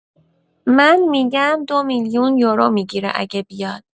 من می‌گم ۲ میلیون یورو می‌گیره اگه بیاد